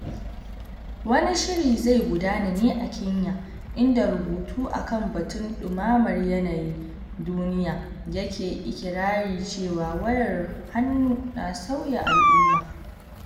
Wani shirin zai gudana ne a Kenya, inda rubutu a kan batun Ɗumamar Yanayin Duniya yake iƙirarin cewa wayar hannu na sauya al'umma.